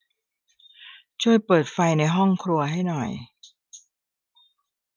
ช่วยเปิดไฟในห้องครัวให้หน่อย